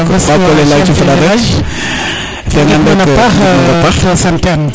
merci chef du village in way ngid mang to sante ang